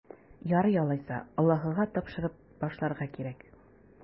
Ярый алайса, Аллаһыга тапшырып башларга кирәк.